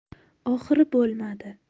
oxiri bo'lmadi